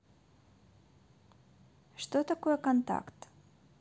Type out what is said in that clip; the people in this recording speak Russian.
что такое контакт